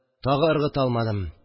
Тагы ыргыта алмадым